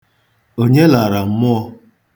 Onye lara mmụọ?